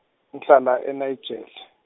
ngihlala e- Nigel.